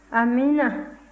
amiina